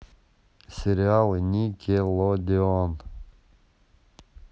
сериалы никелодеон